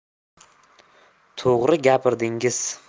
to'g'ri gapirdingiz